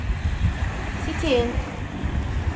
city and